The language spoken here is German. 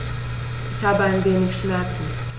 Ich habe ein wenig Schmerzen.